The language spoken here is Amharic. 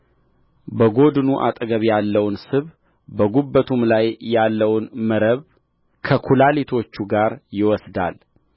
በጎድኑ አጠገብ ያለውን ስብ በጕበቱም ላይ ያለውን መረብ ከኵላሊቶች ጋር ይወስዳል